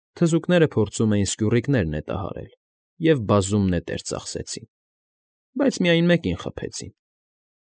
Թզուկները փորձում էին սկյուռիկներ նետահարել և բազում նետեր ծախսեցին, բայց միայն մեկին խփեցին։